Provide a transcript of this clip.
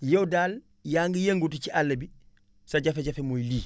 yow daal yaa ngi yëngatu ci àll bi sa jafe-jafe mooy lii